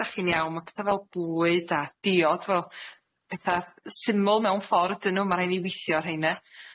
'Dach chi'n iawn, ma' petha fel bwyd a diod, wel petha syml mewn ffordd ydyn nw ma' rai' ni withio ar rheine.